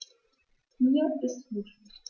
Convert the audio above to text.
Mir ist gut.